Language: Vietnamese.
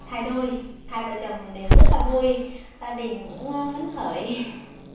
thai đôi hai vợ chồng đều rất là vui gia đình cũng phấn khởi